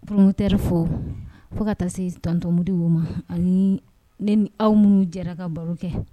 Promoteur fo fo ka taa se tonton Modibo ma ani ne ni aw minnu jɛra ka baro kɛ